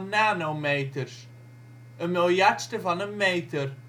nanometers (een miljardste van een meter